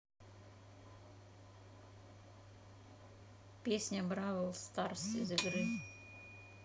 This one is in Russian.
песня бравл старс из игры